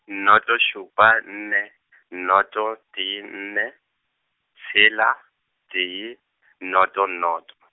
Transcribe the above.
noto šupa nne , noto tee nne, tshela, tee , noto noto.